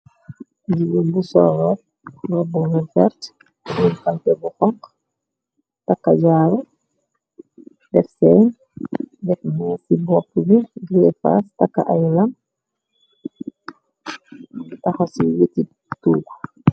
Jigeen bu sol rop robbu revert yin falte bu xong. Taka jaaru def seen dek ne ci bopp bi gréfas taka ay lam b taxa ci weti tuugu.